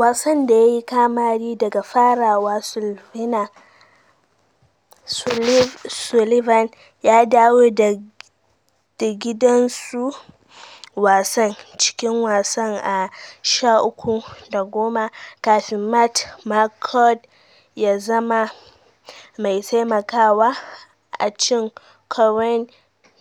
wasan da yayi kamari daga farawa, Sullivan ya dawo da gidan su wasan cikin wasan a 13:10 kafin Matt Marquardt ya zama mai taimakawa a cin Cownie'